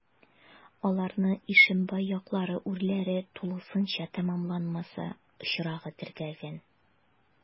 Аларны Ишембай яклары урләре тулысынча тәмамланмаса очрагы теркәлгән.